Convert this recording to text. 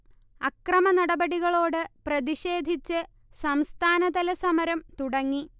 അക്രമനടപടികളോട് പ്രതിക്ഷേധിച്ച് സംസ്ഥാനതല സമരം തുടങ്ങി